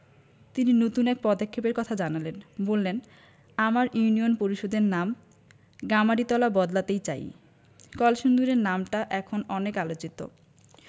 তিনি নতুন এক পদক্ষেপের কথা জানালেন বললেন আমার ইউনিয়ন পরিষদের নাম গামারিতলা বদলাতেই চাই কলসিন্দুর এর নামটা এখন অনেক আলোচিত